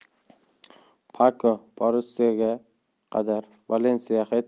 pako borussiya ga qadar valensiya